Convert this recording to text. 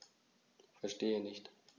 Verstehe nicht.